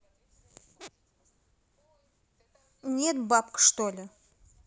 нет бабка что ли